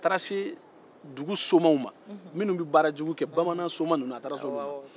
a taara se dugu somaw ma minnu bɛ baara jugu kɛ